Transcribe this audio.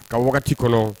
Ka wagati kɔnɔ